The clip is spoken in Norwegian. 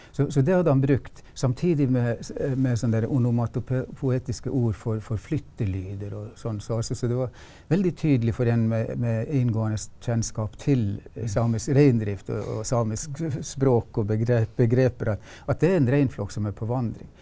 så så det hadde han brukt samtidig med med sånn derre onomatopoetiske ord for for flyttelyder og sånn så altså så det var veldig tydelig for en med med inngående kjennskap til samisk reindrift og og samisk språk og begrep begreper at at det er en reinflokk som er på vandring.